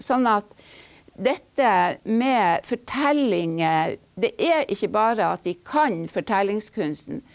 sånn at dette med fortellinger, det er ikke bare at de kan fortellingskunsten.